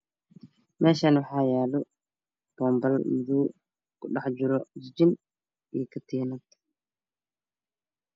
Meeshaan waxaa yaalo gambalo madoow kudhex jiro jijin iyo katiinad